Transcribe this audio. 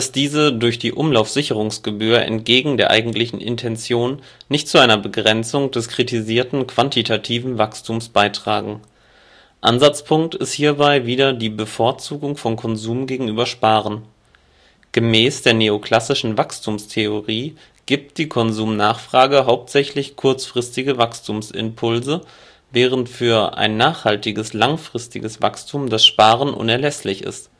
diese durch die Umlaufsicherungsgebühr entgegen der eigentlichen Intention nicht zu einer Begrenzung des kritisierten quantitativen Wachstums beitragen. Ansatzpunkt ist hierbei wieder die Bevorzugung von Konsum gegenüber Sparen. Gemäß der neoklassischen Wachstumstheorie gibt die Konsumnachfrage hauptsächlich kurzfristige Wachstumsimpulse, während für ein nachhaltiges, langfristiges Wachstum das Sparen unerlässlich ist